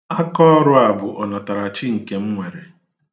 Akọọrụ a bụ ọnatarachi nke m nwere.